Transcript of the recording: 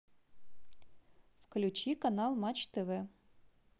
включи канал матч тв